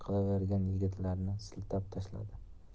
qilavergan yigitlarni siltab tashladi